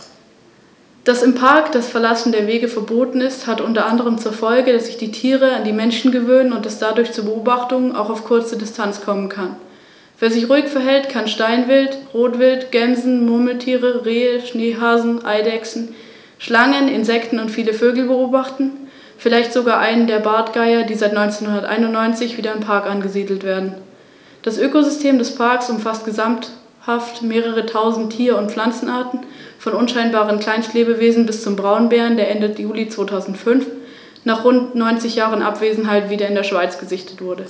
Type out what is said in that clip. Im Zweiten Punischen Krieg gelang es dem karthagischen Strategen Hannibal beinahe, Rom in die Knie zu zwingen, wobei als Kriegsgrund die Belagerung und Eroberung der griechischen Kolonie Saguntum durch Hannibal diente, die mit Rom „verbündet“ war.